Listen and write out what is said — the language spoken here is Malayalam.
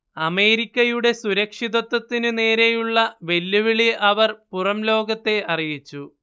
അമേരിക്കയുടെ സുരക്ഷിതത്വത്തിനു നേരെയുള്ള വെല്ലുവിളി അവർ പുറംലോകത്തെ അറിയിച്ചു